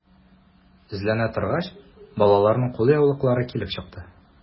Эзләнә торгач, балаларның кулъяулыклары килеп чыкты.